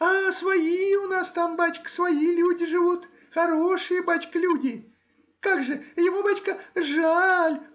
— А свои у нас там, бачка, свои люди живут, хорошие, бачка, люди; как же? ему, бачка, жаль.